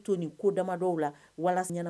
N bɛ too nin kodɔnma dɔw la ɲɛna